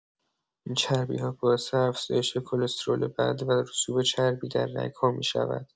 این چربی‌ها باعث افزایش کلسترول بد و رسوب چربی در رگ‌ها می‌شوند.